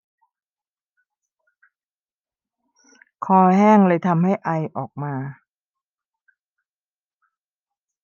คอแห้งเลยทำให้ไอออกมา